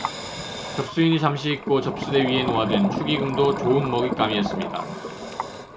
접수인이 잠시 잊고 접수대 위에 놓아둔 축의금도 좋은 먹잇감이었습니다